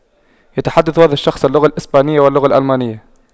يتحدث هذا الشخص اللغة الإسبانية واللغة الألمانية